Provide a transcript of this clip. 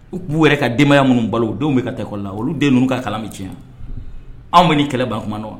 U kun b'u yɛrɛ ka denbaya munnu balo o denw bɛ ka taa école la olu den ninnu ka kalan be tiɲɛ a anw be nin kɛlɛ ban kuma dɔn wa